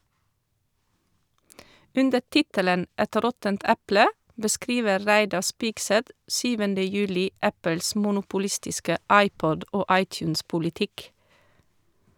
Under tittelen «Et råttent eple» beskriver Reidar Spigseth 7. juli Apples monopolistiske iPod- og iTunes-politikk.